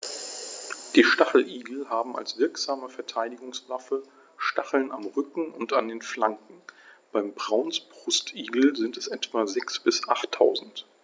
Die Stacheligel haben als wirksame Verteidigungswaffe Stacheln am Rücken und an den Flanken (beim Braunbrustigel sind es etwa sechs- bis achttausend).